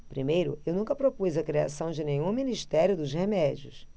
primeiro eu nunca propus a criação de nenhum ministério dos remédios